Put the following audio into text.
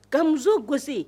Ka muso gosi